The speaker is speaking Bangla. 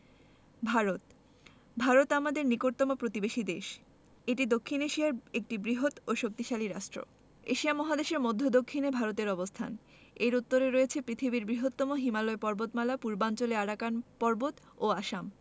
ভারত ভারত আমাদের নিকটতম প্রতিবেশী দেশ এটি দক্ষিন এশিয়ার একটি বৃহৎও শক্তিশালী রাষ্ট্র এশিয়া মহাদেশের মদ্ধ্যদক্ষিনে ভারতের অবস্থান এর উত্তরে রয়েছে পৃথিবীর বৃহত্তম হিমালয় পর্বতমালা পূর্বাঞ্চলে আরাকান পর্বত ও আসাম